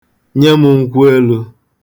Nye m nkwụelu.